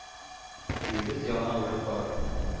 Өебез ягына үрелеп карадым.